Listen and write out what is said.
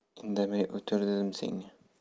indamay o'tir dedim senga